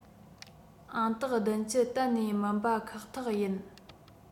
ཨང རྟགས ༧༠ གཏན ནས མིན པ ཁག ཐག ཡིན